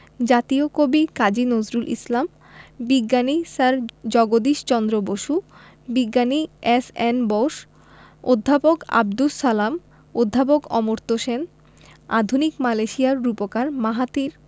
জাতীয় কবি কাজী নজরুল ইসলাম বিজ্ঞানী স্যার জগদীশ চন্দ্র বসু বিজ্ঞানী এস.এন বোস অধ্যাপক আবদুস সালাম অধ্যাপক অমর্ত্য সেন আধুনিক মালয়েশিয়ার রূপকার মাহাথির